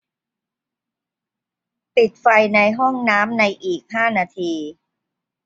ปิดไฟในห้องน้ำในอีกห้านาที